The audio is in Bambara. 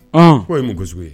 Ɔn ko ye mun kosugu ye?